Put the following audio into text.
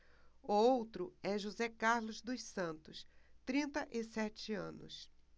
o outro é josé carlos dos santos trinta e sete anos